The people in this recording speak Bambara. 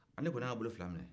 aa ne kɔni y'a bolo fila minɛ